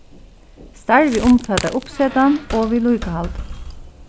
starvið umfatar uppsetan og viðlíkahald